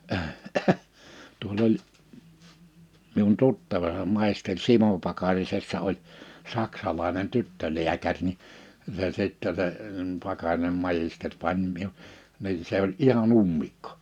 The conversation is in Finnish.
tuolla oli minun tuttava se maisteri Simo Pakarisessa oli saksalainen tyttölääkäri niin se sitten se Pakarinen maisteri pani - niin se oli ihan ummikko